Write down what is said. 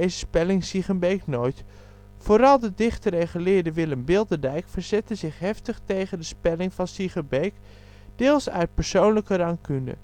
spelling-Siegenbeek nooit. Vooral de dichter en geleerde Willem Bilderdijk verzette zich heftig tegen de spelling van Siegenbeek, deels uit persoonlijke rancune